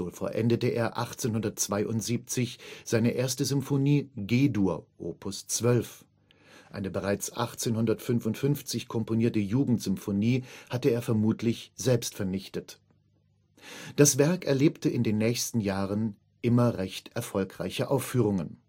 vollendete er 1872 seine erste Symphonie G-Dur op. 12 (eine bereits 1855 komponierte Jugendsymphonie hat er vermutlich selbst vernichtet). Das Werk erlebte in den nächsten Jahren mehrere recht erfolgreiche Aufführungen